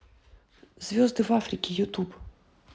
звезды в африке ютуб